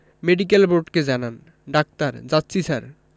medical বোর্ডকে জানান doctor যাচ্ছি স্যার